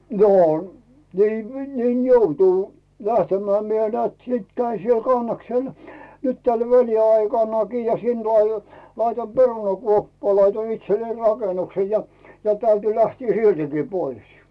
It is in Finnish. no niin niin joutui lähtemään minä näet sitten kävin siellä Kannaksella nyt tällä väliaikanakin ja sinne tuo - laitoin perunakuoppaan laitoin itselleni rakennuksen ja ja täytyi lähteä siltikin pois